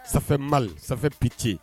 Sanfɛ mali sanfɛ p ce